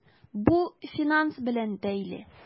Бу финанс белән бәйле.